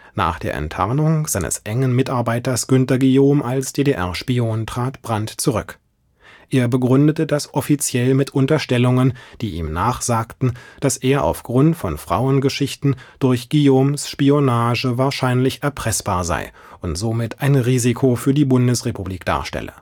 Nach der Enttarnung seines engen Mitarbeiters Günter Guillaume als DDR-Spion trat Brandt zurück. Er begründete das offiziell mit Unterstellungen, die ihm nachsagten, dass er aufgrund von Frauengeschichten durch Guillaumes Spionage wahrscheinlich erpressbar sei und somit ein Risiko für die Bundesrepublik darstelle